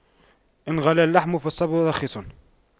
إن غلا اللحم فالصبر رخيص